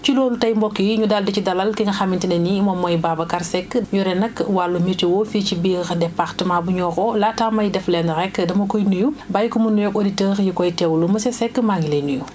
ci loolu tay mbokk yi ñu daal di ci dalal ki nga xamante ne nii moom mooy Babacar Seck yore nag wàllu météo fii ci biir département bu Nioro laataa may def lenn rekk dama koy nuyu bàyyi ko mu nuyoog auditeurs yi koy teewlu monsieur Seck maa ngi lay nuyu